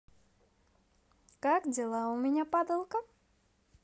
как дела у меня падалка